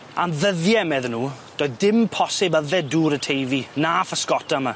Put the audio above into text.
Am ddyddie medden nw doedd dim posib yfed dŵr y Teifi, na physgota 'my.